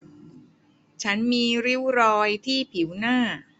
ฉันมีริ้วรอยที่ผิวหน้า